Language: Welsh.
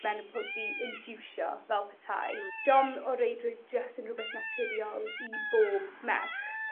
menopos 'di indiwsio fel petai. Hmm. D'om o reidrwydd jyst yn rwbeth naturiol i bob merch.